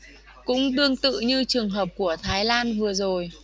cũng tương tự như trường hợp của thái lan vừa rồi